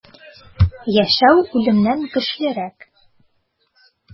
Яшәү үлемнән көчлерәк.